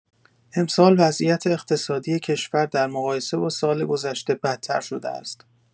امسال وضعیت اقتصادی کشور در مقایسه با سال‌گذشته بدتر شده است.